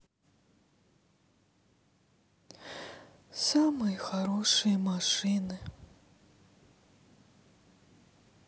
самые хорошие машины